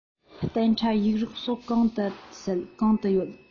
གཏན ཁྲ ཡིག རིགས སོགས གང དུ གསལ གང དུ ཡོད